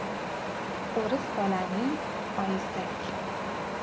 o'ris bolaning oyisi